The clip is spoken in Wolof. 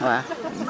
waaw